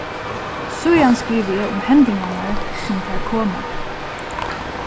síðan skrivi eg um hendingarnar sum tær koma